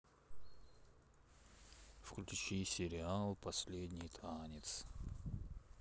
включи сериал последний танец